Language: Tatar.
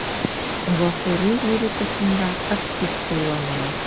Гафури лирикасында актив кулланыла.